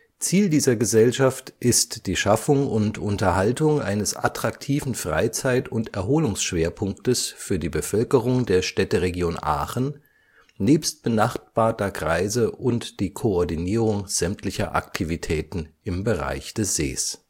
Ziel dieser Gesellschaft ist die Schaffung und Unterhaltung eines attraktiven Freizeit - und Erholungsschwerpunktes für die Bevölkerung der Städteregion Aachen nebst benachbarter Kreise und die Koordinierung sämtlicher Aktivitäten im Bereich des Sees